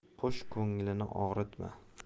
qush ko'nglini og'ritma